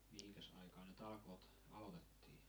mihinkäs aikaan ne talkoot aloitettiin